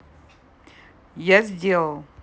я сделал